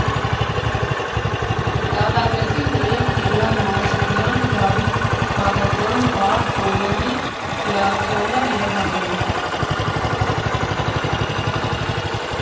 Կատարվեցին նաև Տիգրան Մանսուրյան, Դավիթ Հալաջյան, Բախ, Կորելլի, Պիացոլլա և այլն։